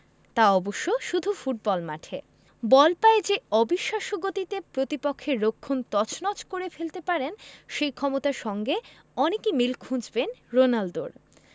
তা অবশ্য শুধু ফুটবল মাঠে বল পায়ে যে অবিশ্বাস্য গতিতে প্রতিপক্ষের রক্ষণ তছনছ করে ফেলতে পারেন সেই ক্ষমতার সঙ্গে অনেকে মিল খুঁজবেন রোনালদোর